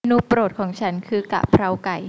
เมนูโปรดของฉันคือกะเพราไก่